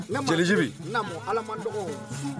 Jibi ala